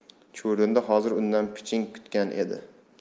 chuvrindi hozir undan piching kutgan edi